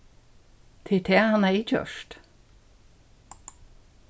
tað er tað hann hevði gjørt